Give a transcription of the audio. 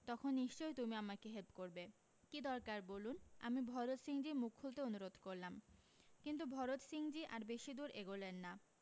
তখন নিশ্চয় তুমি আমাকে হেল্প করবে কী দরকার বলুন আমি ভরত সিংজীর মুখ খুলতে অনুরোধ করলাম কিন্তু ভরত সিংজী আর বেশিদূর এগোলেন না